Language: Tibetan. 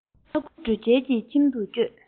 ཨ ཁུ འབྲུག རྒྱལ གྱི ཁྱིམ དུ བསྐྱོད